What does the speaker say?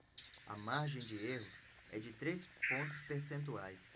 a margem de erro é de três pontos percentuais